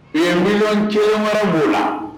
Yen ŋɲɔgɔn cɛ wɛrɛ b'o la